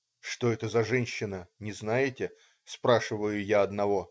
"Что это за женщина, не знаете?" - спрашиваю я одного.